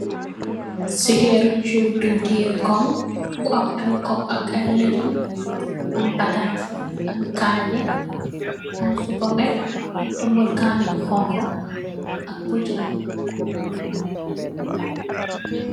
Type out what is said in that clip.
Sugerru chou diwtirri kong, bu am aiiy kong ak aiiy legume, am batanseh, am kanjah, am supermeh, nju tohmbal kaaneh bu honhu ak bu jaw.